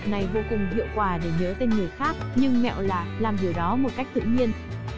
kỹ thuật này vô cùng hiệu quả để nhớ tên người khác nhưng mẹo là làm điều đó một cách tự nhiên